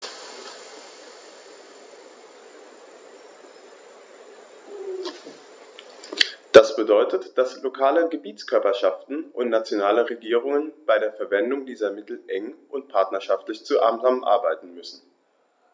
Das bedeutet, dass lokale Gebietskörperschaften und nationale Regierungen bei der Verwendung dieser Mittel eng und partnerschaftlich zusammenarbeiten müssen.